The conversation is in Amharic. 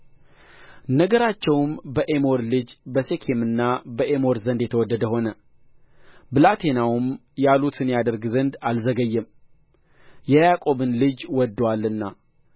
ነገራቸውም በኤሞር ልጅ በሴኬምና በኤሞር ዘንድ የተወደደ ሆነ ብላቴናውም ያሉትን ያደርግ ዘንድ አልዘገየም የያዕቆብን ልጅ ወድዶአልና